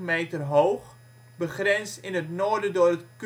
3660 m hoog), begrensd in het noorden door het